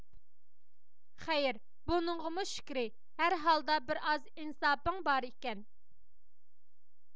خەير بۇنىڭغىمۇ شۈكرى ھەر ھالدا بىر ئاز ئىنساپىڭ بار ئىكەن